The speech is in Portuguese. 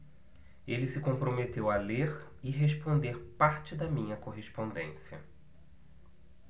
ele se comprometeu a ler e responder parte da minha correspondência